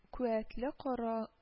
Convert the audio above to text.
Куәтле кора